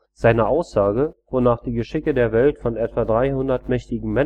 Seine Aussage, wonach die Geschicke der Welt von etwa 300 mächtigen